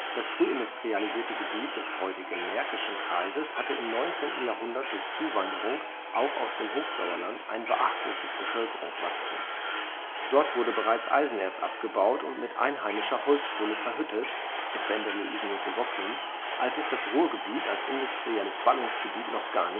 Das früh industrialisierte Gebiet des heutigen Märkischen Kreises hatte im 19. Jahrhundert durch Zuwanderung, auch aus dem Hochsauerland, ein beachtliches Bevölkerungswachstum. Dort wurde bereits Eisenerz abgebaut und mit einheimischer Holzkohle verhüttet (etwa in der Luisenhütte Wocklum), als es das Ruhrgebiet als industrielles Ballungsgebiet noch gar